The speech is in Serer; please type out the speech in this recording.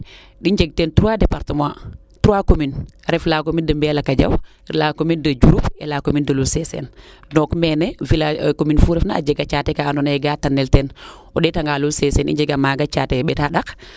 i njeg teen trois Departement trois commune a ref la Mbelekadiaw la commune Diouroup et "fra la commune de Loul Seseen donc meene commune fuu ref na a jega caate ka ando naye gaa tanel teen o ndeeta nda Loul Sesene i njega maaga caate mbetandak